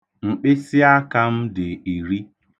Mkpịsịaka m dị iri.